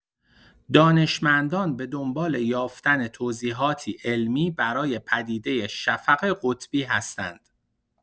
دانشمندان به دنبال یافتن توضیحاتی علمی برای پدیده شفق قطبی هستند.